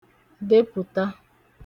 depụ̀ta